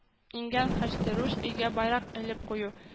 Иңгән хәчтерүш өйгә байрак элеп кую